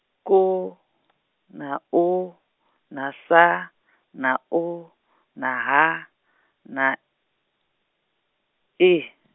K , na U na S na U na H na, I.